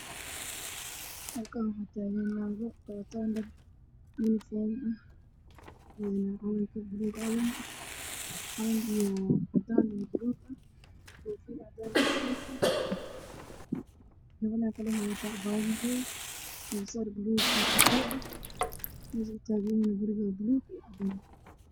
waa gabdho badan oo wataan dhar calanka somaaliya ah oo isku eg